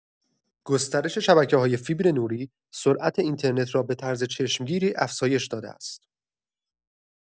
گسترش شبکه‌های فیبرنوری، سرعت اینترنت را به طرز چشمگیری افزایش داده است.